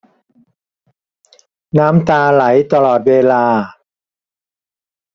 น้ำตาไหลตลอดเวลา